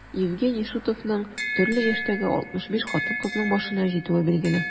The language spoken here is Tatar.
Евгений Шутовның төрле яшьтәге 65 хатын-кызның башына җитүе билгеле.